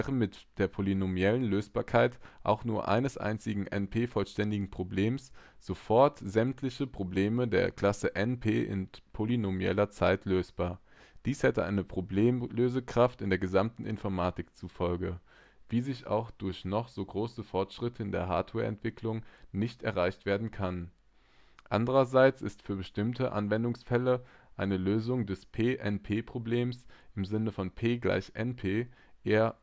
mit der polynomialen Lösbarkeit auch nur eines einzigen NP-vollständigen Problems sofort sämtliche Probleme der Klasse NP in polynomieller Zeit lösbar. Dies hätte eine Problemlösekraft in der gesamten Informatik zur Folge, wie sie auch durch noch so große Fortschritte in der Hardware-Entwicklung nicht erreicht werden kann. Andererseits ist für bestimmte Anwendungsfälle eine Lösung des P-NP-Problems im Sinne von P = NP eher